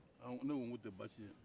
n ko o tɛ baasi ye